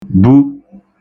-bu